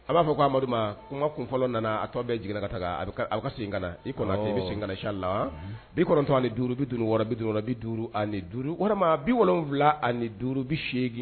A b'a fɔ ko amadu ko n ka kun fɔlɔ nana a tɔ bɛɛ jiginna ka ta a aw ka sen i bɛ sen sa la wa bitɔn a ni duuru bi duuru wɔɔrɔ bi duuru bi duuru ani duuru walima biwula ani duuru bi seegin